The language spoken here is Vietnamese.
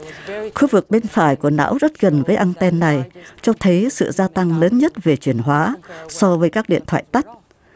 khu vực bên phải của não rất gần với ăng ten này cho thấy sự gia tăng lớn nhất về chuyển hóa so với các điện thoại tắt